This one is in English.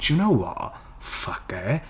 Do you know what? Fuck it.